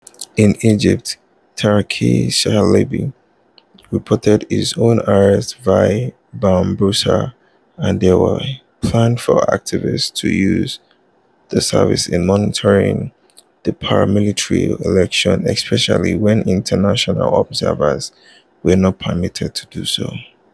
In Egypt Tarek Shalaby reported his own arrest via Bambuser, and there were plans for activists to use the service in monitoring the parliamentary elections especially when international observers were not permitted to do so.